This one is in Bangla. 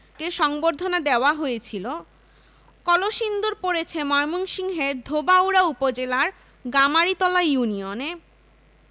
সংবর্ধনা দেওয়া হয়েছিল কলসিন্দুর পড়েছে ময়মনসিংহের ধোবাউড়া উপজেলার গামারিতলা ইউনিয়নে